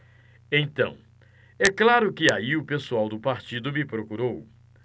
então é claro que aí o pessoal do partido me procurou